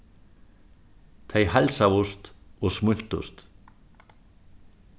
tey heilsaðust og smíltust